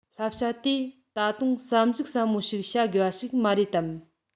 བསླབ བྱ དེ ད དུང བསམ གཞིགས ཟབ པོ བྱ དགོས པ ཞིག མ རེད དམ